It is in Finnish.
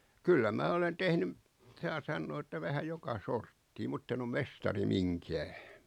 kyllä minä olen tehnyt saa sanoa että vähän joka sorttia mutta en ole mestari minkään